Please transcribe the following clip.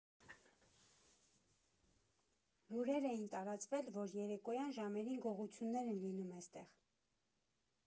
Լուրեր էին տարածվել, որ երեկոյան ժամերին գողություններ են լինում էստեղ։